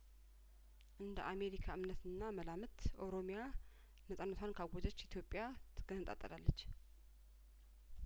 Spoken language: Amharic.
እንደ አሜሪካ እምነትና መላምት ኦሮሚያ ነጻነትዋን ካወጀት ኢትዮጵያ ትገነጣጠላለች